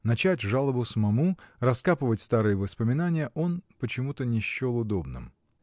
Начать жалобу самому, раскапывать старые воспоминания — он почему-то не счел удобным.